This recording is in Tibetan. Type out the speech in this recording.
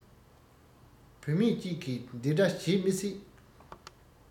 བུད མེད ཅིག གི འདི འདྲ བྱེད མི སྲིད